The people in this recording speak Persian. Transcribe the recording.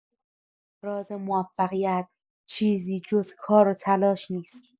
راز موفقیت چیزی جز کار و تلاش نیست.